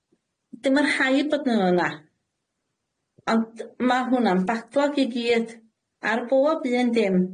Dim yn rhaid bod nw yna. Ond ma' hwn'na'n backlog i gyd, ar bob un dim.